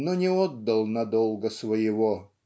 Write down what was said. но не отдал надолго своего.